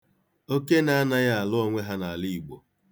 Okene anaghị alụ onwe ha n'ala Igbo.